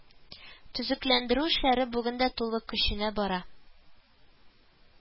Төзекләндерү эшләре бүген дә тулы көченә бара